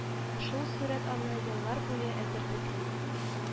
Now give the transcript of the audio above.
Шул сурәт аны еллар буе эзәрлекли